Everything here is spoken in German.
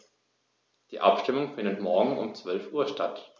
Die Abstimmung findet morgen um 12.00 Uhr statt.